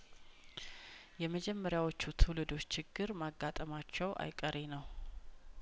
የመጀመሪያዎቹ ትውልዶች ችግር ማጋጠማቸው አይቀሬ ነው